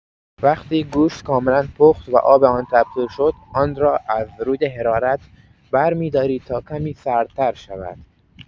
وقتی گوشت کاملا پخت و آب آن تبخیر شد، آن را از روی حرارت برمی‌دارید تا کمی سردتر شود.